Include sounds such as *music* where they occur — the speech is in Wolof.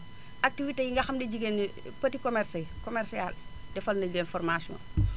activité yi nga xam ne jigéen ñi petits commerce yi commercial defal nañu leen formation *noise*